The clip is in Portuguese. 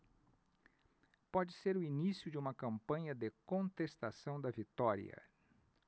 pode ser o início de uma campanha de contestação da vitória